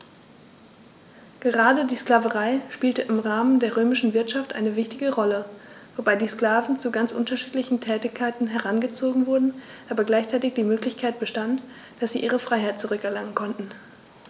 Gerade die Sklaverei spielte im Rahmen der römischen Wirtschaft eine wichtige Rolle, wobei die Sklaven zu ganz unterschiedlichen Tätigkeiten herangezogen wurden, aber gleichzeitig die Möglichkeit bestand, dass sie ihre Freiheit zurück erlangen konnten.